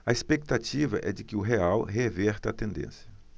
a expectativa é de que o real reverta a tendência